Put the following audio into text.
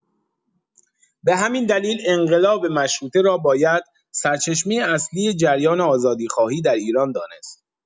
به همین دلیل انقلاب مشروطه را باید سرچشمه اصلی جریان آزادی‌خواهی در ایران دانست.